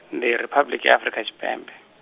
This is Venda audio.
ndi Riphabuḽiki ya Afrika Tshipembe.